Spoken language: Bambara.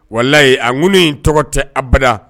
Walahi a ŋuni in tɔgɔ tɛ abada